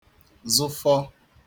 zụfọ